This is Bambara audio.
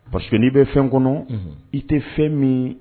Parce que ni bɛ fɛn kɔnɔ, unhun, i tɛ fɛn min